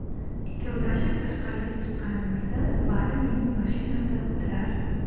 ikkovlashib tashqariga chiqqanimizda vali mening mashinamda o'tirar